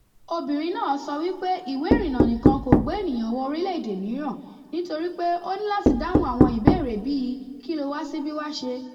Obìnrin náà sọ wípé ìwé ìrìnnà nìkan kò gbé ènìyàn wọ orílẹ̀-èdè mìíràn nítorí pé "o ní láti dáhùn àwọn ìbéèrè bíi, Kí ló wa síbí wá ṣe?"